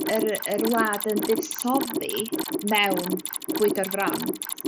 yr yr wlad yn buddsoddi mewn bwydo'r fron